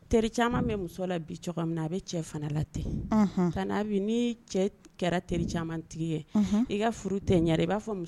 Teri caman bɛ muso la bi min na a bɛ cɛ fana la tɛ cɛ kɛra teri caman tigi ye i ka furu tɛ i b'a fɔ